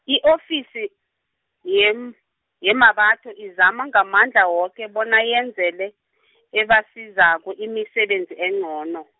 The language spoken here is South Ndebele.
i-ofisi, yem- yeMmabatho izama ngamandla woke bona yenzele , ebasizako imisebenzi engcono.